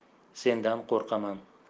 sendan qo'rqaman